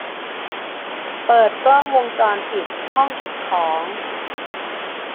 เปิดกล้องวงจรปิดห้องเก็บของ